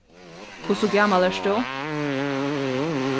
hvussu gamal ert tú